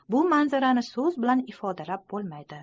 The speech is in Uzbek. bu manzarani so'z bilan ifodalab bo'lmaydi